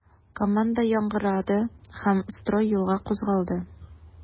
Команда яңгырады һәм строй юлга кузгалды.